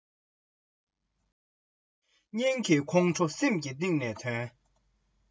མགོ བོ བསྒུར བའི དགྲ བོ ཕམ མ བཅུག